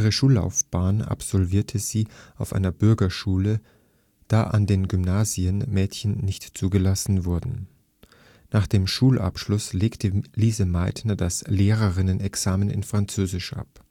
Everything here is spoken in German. Schullaufbahn absolvierte sie auf einer Bürgerschule, da an den Gymnasien Mädchen nicht zugelassen wurden. Nach dem Schulabschluss legte Lise Meitner das Lehrerinnen-Examen in Französisch ab